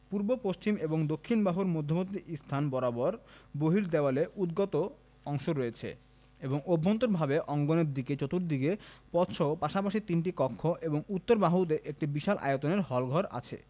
পূর্ব পশ্চিম এবং দক্ষিণ বাহুর মধ্যবর্তী স্থান বরাবর বহির্দেওয়ালে উদ্গত অংশ রয়েছে এবং অভ্যন্তরভাগে অঙ্গনের দিকে চতুর্দিকে পথসহ পাশাপাশি তিনটি কক্ষ এবং উত্তর বাহুতে একটি বিশাল আয়তনের হলঘর আছে